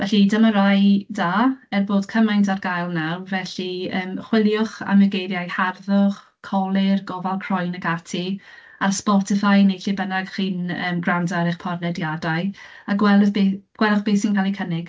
Felly, dyma rai da, er bod cymaint ar gael nawr. Felly, yym, chwiliwch am y geiriau harddwch, colur, gofal croen ag ati ar Spotify neu lle bynnag chi'n, yym, gwrando ar eich podlediadau, a gweld be gwelwch be sy'n cael ei cynnig.